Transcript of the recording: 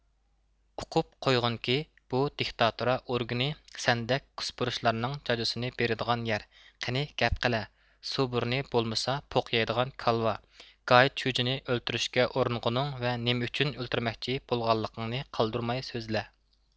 ئۇقۇپ قويغىنكى بۇ دىكتاتۇرا ئورگىنى سەندەك كوسپۇرۇچلارنىڭ جاجىسىنى بېرىدىغان يەر قېنى گەپ قىلە سۇ بۇرنى بولمىسا پوق يەيدىغان كالۋا گايىت شۇجىنى ئۆلتۈرۈشكە ئۇرۇنغىنىڭ ۋە نېمە ئۈچۈن ئۆلتۈرمەكچى بولغانلىقىڭنى قالدۇرماي سۆزلە